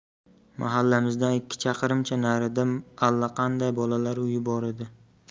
mahallamizdan ikki chaqirimcha narida allaqanday bolalar uyi bor edi